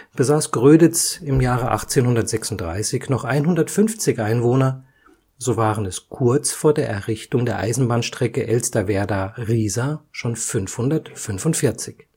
Besaß Gröditz im Jahre 1836 noch 150 Einwohner, so waren es kurz vor der Errichtung der Eisenbahnstrecke Elsterwerda – Riesa schon 545